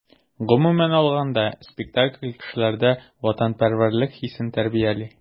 Гомумән алганда, спектакль кешеләрдә ватанпәрвәрлек хисен тәрбияли.